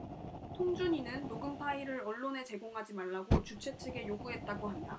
통준위는 녹음 파일을 언론에 제공하지 말라고 주최 측에 요구했다고 한다